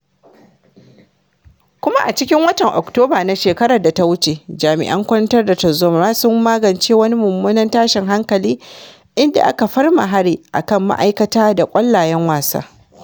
Kuma a cikin watan Oktoba na shekarar da ta wuce jami’an kwantar da tarzoma sun magance wani mummunan tashin hankali inda aka farma hari a kan ma’aikata da ƙwallayen wasa.